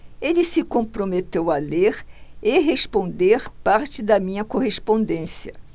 ele se comprometeu a ler e responder parte da minha correspondência